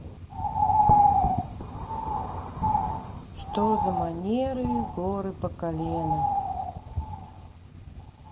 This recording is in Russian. что за манеры горы по колено